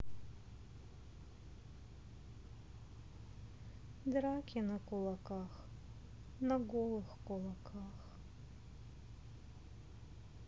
драки на кулаках на голых кулаках